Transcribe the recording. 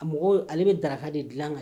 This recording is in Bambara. A mɔgɔ ale bɛ daraka de dilan kan